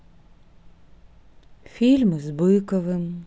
фильмы с быковым